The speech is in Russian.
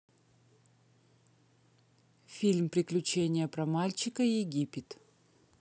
фильм приключение про мальчика египет